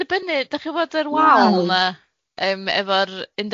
Mai'n dibynnu da' chi'n gwbod yr wal 'na yym efo'r un